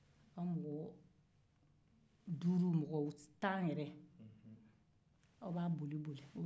aw mɔgɔ tan aw b'a boliboli